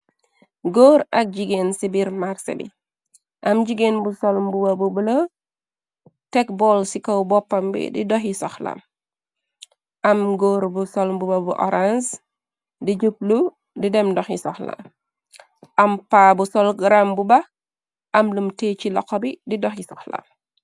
Góor ak jigéen ci biir marsé bi. Am jigéen bu solmbuba bu bula tek bool ci kaw boppam bi di doxi soxlam. Am góor bu solmbuba bu horange di jublu di dem doxi soxlaam. Am pa bu solram bu ba am lum tée ci loqo bi di doxi soxlam.